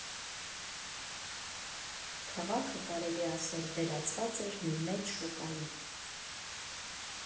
Քաղաքը, կարելի է ասել, վերածված էր մի մեծ շուկայի։